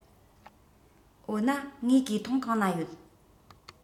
འོ ན ངའི གོས ཐུང གང ན ཡོད